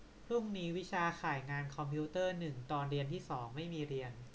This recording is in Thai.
พรุ่งนี้วิชาข่ายงานคอมพิวเตอร์หนึ่งตอนเรียนที่สองไม่มีเรียน